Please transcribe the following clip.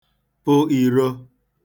pụ īrō